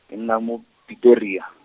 ke nna mo Pretoria.